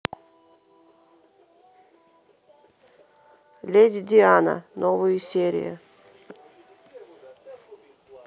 леди диана новые новые серии